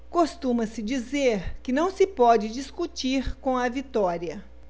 costuma-se dizer que não se pode discutir com a vitória